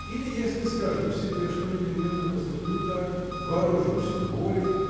или если скажу себе, что непременно поступлю так, вооружусь волей.